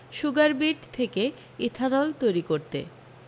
sugar beet থেকে ethanol তৈরী করতে